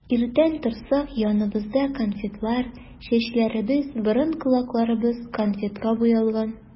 Иртән торсак, яныбызда конфетлар, чәчләребез, борын-колакларыбыз конфетка буялган.